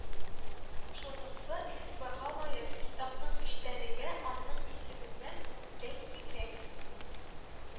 Шунысы игътибарга лаек, китапның эчтәлеге аның исеменнән күпкә киңрәк